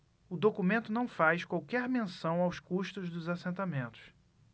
o documento não faz qualquer menção aos custos dos assentamentos